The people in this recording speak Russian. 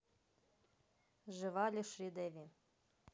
жива ли шридеви